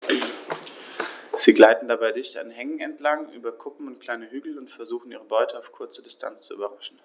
Sie gleiten dabei dicht an Hängen entlang, über Kuppen und kleine Hügel und versuchen ihre Beute auf kurze Distanz zu überraschen.